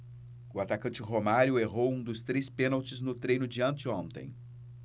o atacante romário errou um dos três pênaltis no treino de anteontem